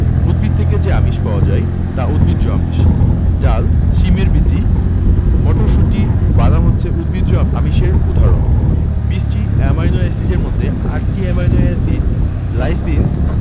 উদ্ভিদ থেকে যে আমিষ পাওয়া যায় তা উদ্ভিজ্জ আমিষ ডাল শিমের বিচি মটরশুঁটি বাদাম হচ্ছে উদ্ভিজ্জ আমিষের উদাহরণ ২০টি অ্যামাইনো এসিডের মধ্যে ৮টি অ্যামাইনো এসিড লাইসিন